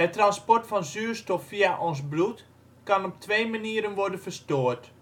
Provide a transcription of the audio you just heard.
transport van zuurstof via ons bloed kan op twee manieren worden verstoord